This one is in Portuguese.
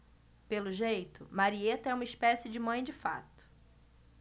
pelo jeito marieta é uma espécie de mãe de fato